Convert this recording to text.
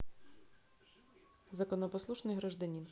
законопослушный гражданин